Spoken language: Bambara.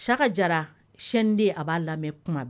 Saka jara chaîne 2 a ba lamɛn kuma